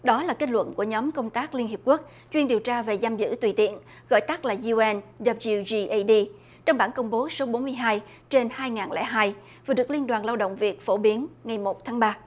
đó là kết luận của nhóm công tác liên hiệp quốc chuyên điều tra về giam giữ tùy tiện gọi tắt là diu en đáp liu di ây đi trong bảng công bố số bốn mươi hai trên hai ngàn lẻ hai vừa được liên đoàn lao động việt phổ biến ngày một tháng ba